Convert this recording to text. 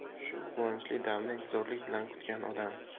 shu quvonchli damni intizorlik bilan kutgan odam